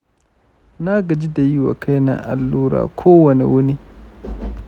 nagaji da yiwa kaina allura kowane wuni.